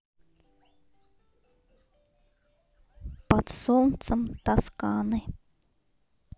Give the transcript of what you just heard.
под солнцем тасканы